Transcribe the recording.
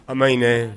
An ma hinɛinɛ